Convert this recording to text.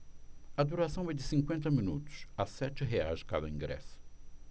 a duração é de cinquenta minutos a sete reais cada ingresso